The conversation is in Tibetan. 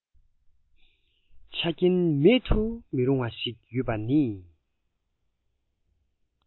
ཆ རྐྱེན མེད དུ མི རུང བ ཞིག ཡོད པ ནི